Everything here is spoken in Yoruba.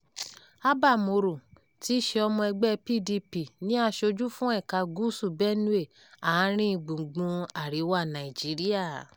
Abba Moro, tí í ṣe ọmọ ẹgbẹ́ẹ PDP, ni aṣojú fún ẹ̀ka Gúúsù Benue, àárín gbùngbùn àríwá Nàìjíríà.